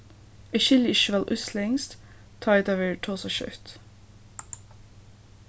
eg skilji ikki so væl íslendskt tá ið tað verður tosað skjótt